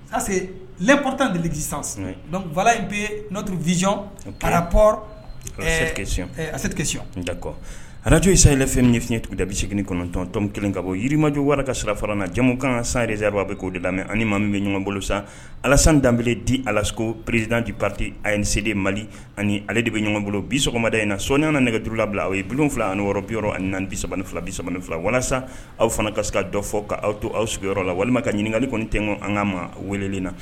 Parce que pta ki sisan v in bɛ vzy kalapkec aserekeckɔ araj ye sayfɛn min fiɲɛɲɛ tun dase kɔnɔntɔntɔn kelen ka bɔ yirimajɔ wari ka sira fara na jamumukan kan sanreeriba bɛ k'o de la ani ma min bɛ ɲɔgɔn bolo san alasan danbeb di alas pererizd bi pate a ye se mali ani ale de bɛ ɲɔgɔnbolo bi sɔgɔma da in na sɔya nɛgɛge juruuru la bila a ye bulon wolonwula ani yɔrɔ bi ani bisa ni fila bim fila walasa aw fana ka dɔ fɔ'aw to aw sigiyɔrɔ la walima ka ɲininkakali kɔni tɛ an ka ma welelen na